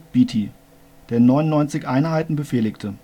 Beatty, der 99 Einheiten befehligte